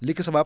li ko sabab